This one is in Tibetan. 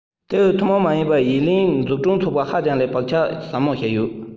དེའི ཐུན མོང མ ཡིན པའི ཡི ལིན ནན འཛུགས སྐྲུན ཚོགས པ ཧ ཅང ལ བག ཆགས ཟབ མོ བཞག ཡོད